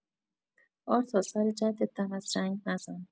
آرتا سر جدت دم از جنگ نزن